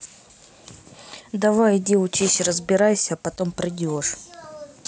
давай иди учись разбирайся а потом придешь